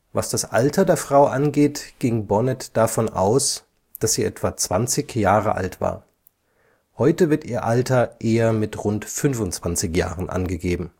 Was das Alter der Frau angeht, ging Bonnet davon aus, dass sie etwa 20 Jahre alt war. Heute wird ihr Alter eher mit rund 25 Jahren angegeben